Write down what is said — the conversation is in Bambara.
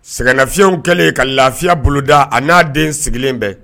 Sɛgɛnfinw kɛlen ka lafiya boloda a n'a den sigilen bɛɛ